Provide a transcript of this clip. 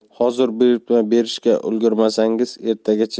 hozir buyurtma berishga ulgurmasangiz ertagacha